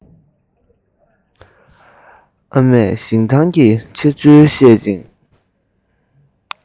ཨ མས ཞིང ཐང གི ཆེ ཚུལ བཤད ཅིང